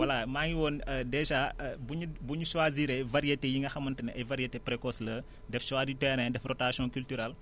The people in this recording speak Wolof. voilà maa ngi woon dèjà bu ñu bu ñu choisir variétés yi nga xamante ne ay variétés précoces la des choix du terrain def rotation culturale